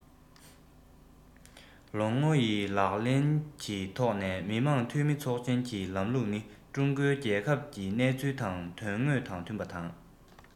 ལོ ངོ ཡི ལག ལེན གྱི ཐོག ནས མི དམངས འཐུས མི ཚོགས ཆེན གྱི ལམ ལུགས ནི ཀྲུང གོའི རྒྱལ ཁབ ཀྱི གནས ཚུལ དང དོན དངོས དང མཐུན པ དང